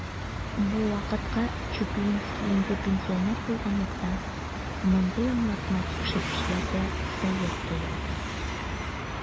Бу вакытка Чуплинский инде пенсионер булганлыктан, мондый аңлатма тикшерүчеләргә сәер тоелды.